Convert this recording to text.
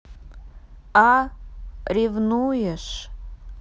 а ревнуешь